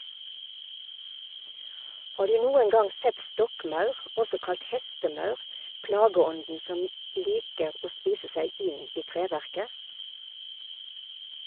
Har du noen gang sett stokkmaur, også kalt hestemaur, plageånden som liker å spise inn i treverket?